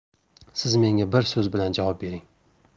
siz menga bir so'z bilan javob bering